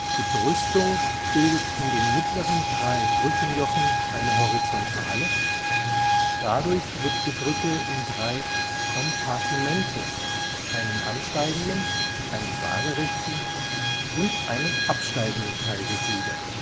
Die Brüstung bildet in den mittleren drei Brückenjochen eine Horizontale, dadurch wird die Brücke in drei Kompartimente, einen ansteigenden, einen waagerechten, und einen absteigenden Teil gegliedert